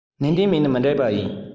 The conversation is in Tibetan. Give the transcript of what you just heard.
ཏན ཏན མེད ན མི འགྲིག པ ཡིན